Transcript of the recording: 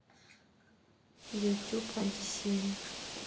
ютуб одиссея